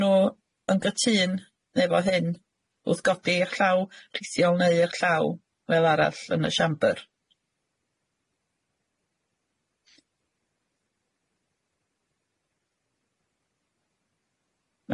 nw yn gytun efo hyn wrth godi 'ych llaw rhithiol neu'ch llaw wel arall yn y shambyr.